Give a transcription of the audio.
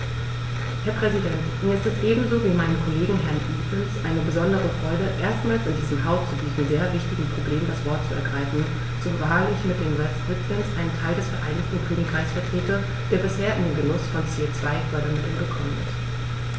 Herr Präsident, mir ist es ebenso wie meinem Kollegen Herrn Evans eine besondere Freude, erstmals in diesem Haus zu diesem sehr wichtigen Problem das Wort zu ergreifen, zumal ich mit den West Midlands einen Teil des Vereinigten Königreichs vertrete, der bisher in den Genuß von Ziel-2-Fördermitteln gekommen ist.